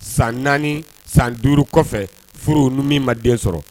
San naani san duuru kɔfɛ furu nimi ma den sɔrɔ